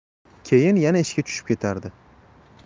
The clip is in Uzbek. keyin yana ishga tushib ketardi